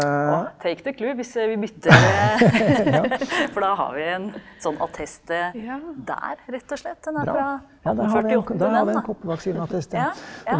å hvis vi bytter for da har vi en sånn attest der rett og slett den er fra 1848 den da ja ja.